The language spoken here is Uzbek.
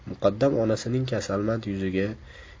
muqaddam onasining kasalmand yuziga